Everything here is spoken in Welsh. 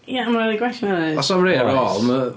Ia, ond ma' 'na rhai gwell na hynna hefyd... Oes 'na'm rhei ar ôl?